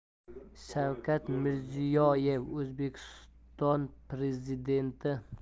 shavkat mirziyoyev o'zbekiston prezidenti